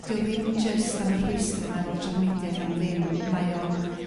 'di o ddim jyst am y rhwystr yna fel trafnidiaeth am ddim, mae o'n